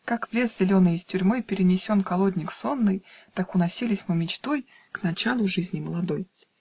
Как в лес зеленый из тюрьмы Перенесен колодник сонный, Так уносились мы мечтой К началу жизни молодой.